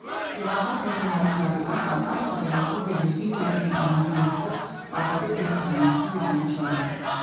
Եվ ահա, գրեթե հարյուր տարի անց, «Անտարեսը» տպագրում է «Երկիր Նայիրին» առանձին գրքով՝ «Պարտադիր ընթերցանություն» մատենաշարում։